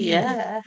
Ie!